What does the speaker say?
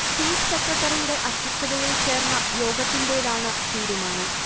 chief സെക്രട്ടറിയുടെ അധ്യക്ഷതയിൽ ചേർന്ന യോഗത്തിന്റേതാണ് തീരുമാനം